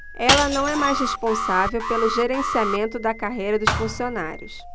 ela não é mais responsável pelo gerenciamento da carreira dos funcionários